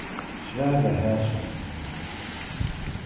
svara hasum